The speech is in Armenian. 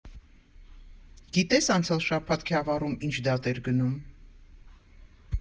Գիտե՞ս անցյալ շաբաթ Քյավառում ինչ դատ էր գնում։